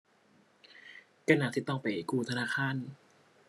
ก็น่าสิต้องไปกู้ธนาคาร